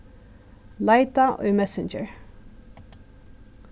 leita í messenger